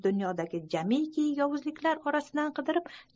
dunyodagi jamiiyki yovuzliklar orasidan qidirib